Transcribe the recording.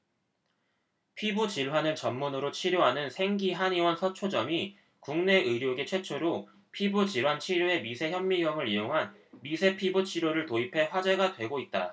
피부질환을 전문으로 치료하는 생기한의원 서초점이 국내 의료계 최초로 피부질환 치료에 미세현미경을 이용한 미세피부치료를 도입해 화제가 되고 있다